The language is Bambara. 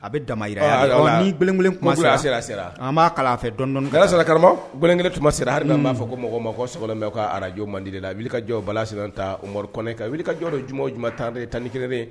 A bɛ da jira ni kelen sera a sera sera b'a kalan a fɛ gɛlɛ sara karamakelen tun sera hali b'a fɔ ko mɔgɔ ma fɔ bɛ' araj mandi la i wuli kajɔw bala ta morik kan wuli kajɔdɔ jw jumɛn tan de tan ni kelenre